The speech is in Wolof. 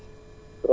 Kër Dame waaw